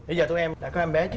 bây giờ tụi em đã có em bé chưa